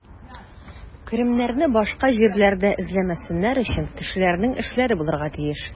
Керемнәрне башка җирләрдә эзләмәсеннәр өчен, кешеләрнең эшләре булырга тиеш.